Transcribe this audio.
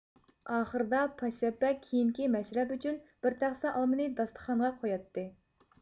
ئاخىرىدا پاششاپ بەگ كېيىنكى مەشرەپ ئۈچۈن بىر تەخسە ئالمىنى داستىخانغا قوياتتى